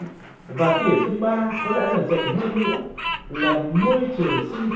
và cái điểm thứ ba có lẽ là rộng hơn nữa là môi trường sinh